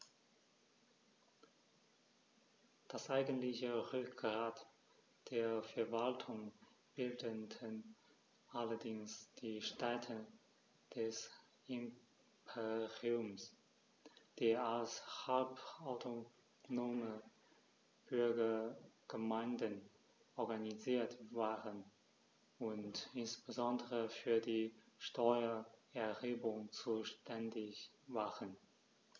Das eigentliche Rückgrat der Verwaltung bildeten allerdings die Städte des Imperiums, die als halbautonome Bürgergemeinden organisiert waren und insbesondere für die Steuererhebung zuständig waren.